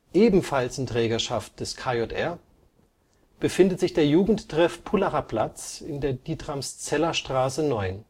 Ebenfalls in Trägerschaft des KJR befindet sich der Jugendtreff Pullacher Platz in der Dietramszeller Str. 9.